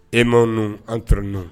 Aimons nous entre nous